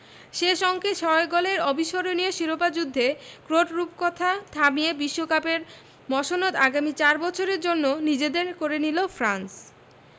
শেষ অঙ্কে ছয় গোলের অবিস্মরণীয় শিরোপা যুদ্ধে ক্রোট রূপকথা থামিয়ে বিশ্বকাপের মসনদ আগামী চার বছরের জন্য নিজেদের করে নিল ফ্রান্স